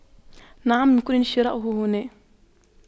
نعم ممكن شراءه هنا